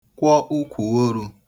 kwọ ukwùoru